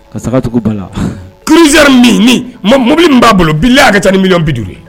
Ka sagacogo bala la kiri mobili min b'a bolo bi a hakɛ tan ni mi bi duuru